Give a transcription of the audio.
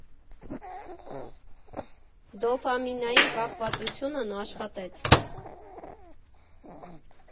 Դոֆամինային կախվածությունն աշխատեց։